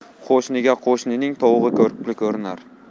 qo'shniga qo'shnining tovug'i ko'rkli ko'rinar